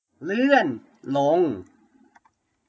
เลื่อนลง